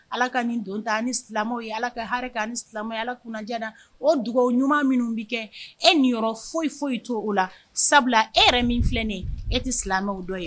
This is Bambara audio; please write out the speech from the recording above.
Ala ka ni don ta ni silamɛ ye ala ka hakɛ ani ni ala kunjaana o dugawu ɲuman minnu bɛ kɛ e ninyɔrɔ foyi foyi to o la sabula e yɛrɛ min filɛnen e tɛ silamɛw dɔ ye